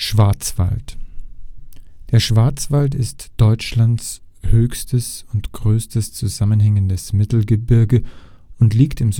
Der Schwarzwald ist Deutschlands höchstes und größtes zusammenhängendes Mittelgebirge und liegt im